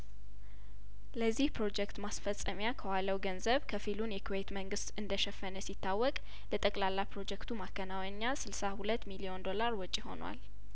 ለዚህ ፕሮጀክት ማስፈጸሚያ ከዋለው ገንዘብ ከፊሉን የኩዌት መንግስት እንደሸፈነ ሲታወቅ ለጠቅላላ ፕሮጀክቱ ማከናወኛ ስልሳ ሁለት ሚሊዮን ዶላር ወጪ ሆኗል